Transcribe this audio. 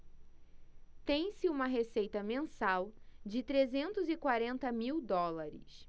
tem-se uma receita mensal de trezentos e quarenta mil dólares